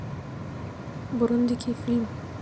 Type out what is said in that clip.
бурундуки фильм